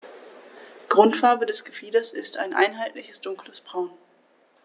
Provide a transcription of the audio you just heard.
Grundfarbe des Gefieders ist ein einheitliches dunkles Braun.